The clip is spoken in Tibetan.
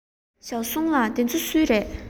ཞའོ སུང ལགས འདི ཚོ སུའི རེད